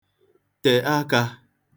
tè akā